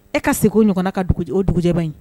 E ka segin o ɲɔgɔnna ka dugu j o dugujɛ ba in